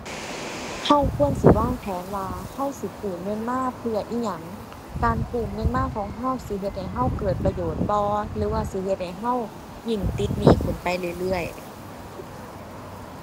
เราควรสิวางแผนว่าเราสิกู้เงินมาเพื่ออิหยัง การกู้เงินมาของเราสิเฮ็ดให้เราเกิดประโยชน์บ่ หรือว่าสิเฮ็ดให้เรายิ่งติดหนี้ขึ้นไปเรื่อยเรื่อย